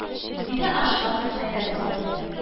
Диде ашмасов, хәйран калып